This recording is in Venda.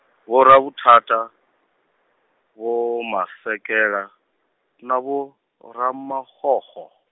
Vho Ravhuthata, Vho Masekela, na Vho Ramakgokgo.